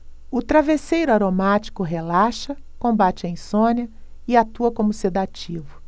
o travesseiro aromático relaxa combate a insônia e atua como sedativo